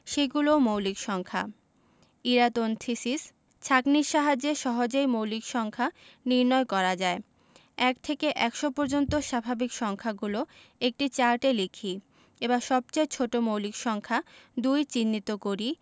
সেগুলো মৌলিক সংখ্যা ইরাটোন্থিনিস ছাঁকনির সাহায্যে সহজেই মৌলিক সংখ্যা নির্ণয় করা যায় ১ থেকে ১০০ পর্যন্ত স্বাভাবিক সংখ্যাগুলো একটি চার্টে লিখি এবার সবচেয়ে ছোট মৌলিক সংখ্যা ২ চিহ্নিত করি